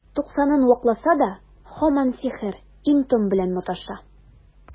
Туксанын вакласа да, һаман сихер, им-том белән маташа.